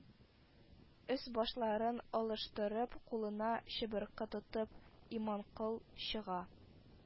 Өс-башларын алыштырып, кулына чыбыркы тотып, Иманкол чыга